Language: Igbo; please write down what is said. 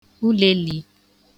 ụlèelī